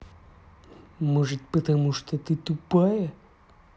может потому что ты тупая